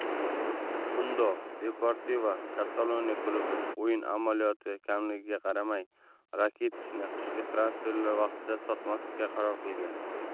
mundo deportivokataloniya klubi o'yin amaliyoti kamligiga qaramay rakitichni qishki transferlar vaqtida sotmaslikka qaror qilgan